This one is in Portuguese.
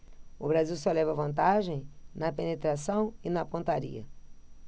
o brasil só leva vantagem na penetração e na pontaria